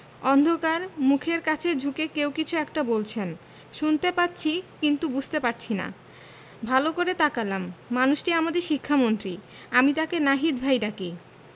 অন্ধকার মুখের কাছে ঝুঁকে কেউ কিছু একটা বলছেন শুনতে পাচ্ছি কিন্তু বুঝতে পারছি না ভালো করে তাকালাম মানুষটি আমাদের শিক্ষামন্ত্রী আমি তাকে নাহিদ ভাই ডাকি